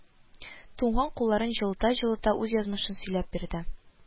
Туңган кулларын җылыта-җылыта үз язмышын сөйләп бирде